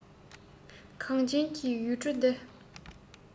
གངས ཅན གྱི ཡུལ གྲུ འདིར